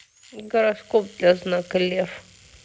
гороскоп для знака лев